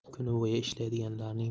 kun bo'yi ishlaydiganlarning